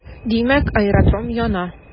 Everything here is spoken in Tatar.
Димәк, аэродром яна.